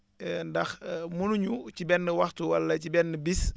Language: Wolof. ndax munuñu ci benn waxtu wala ci benn bis